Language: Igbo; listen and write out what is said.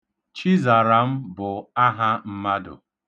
Chizaram bụ aha mmadụ.